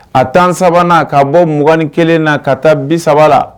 A tan3 ka bɔ 2 kelen na ka taa bi saba la